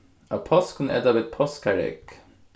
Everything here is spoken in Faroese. á páskum eta vit páskaregg